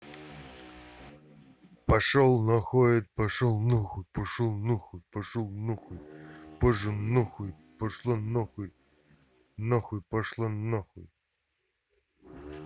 пошел находит пошел на хуй пошел нахуй пошел нахуй пожа нахуй пошла нахуй пошла нахуй